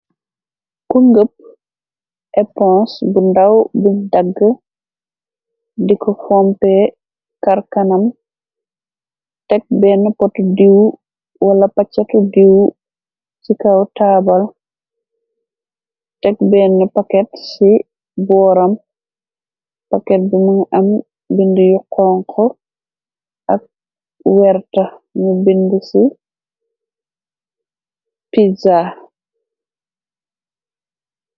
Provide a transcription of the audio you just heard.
Kungëp epons bu ndaw bi dagg diko xompe karkanam tek benn pot diiw wala paccatu diiw ci kaw taabal tek benn paket ci booram paket bi mung am bindi yu xonxo ak werta nu bindi ci piza.